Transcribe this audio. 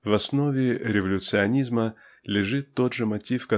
В основе революционизма лежит тот же мотив